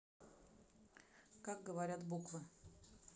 как говорят буквы